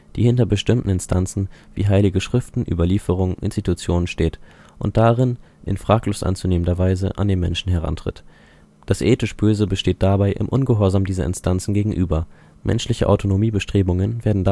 die hinter bestimmten Instanzen - wie heilige Schriften, Überlieferungen, Institutionen - steht und darin in fraglos anzunehmender Weise an den Menschen herantritt. Das ethisch Böse besteht dabei im Ungehorsam dieser Instanzen gegenüber, menschliche Autonomiebestrebungen werden